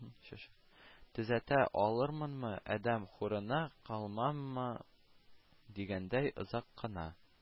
Төзәтә алырмынмы, адәм хурына калмаммы дигәндәй, озак кына